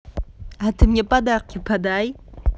а ты мне подарки подай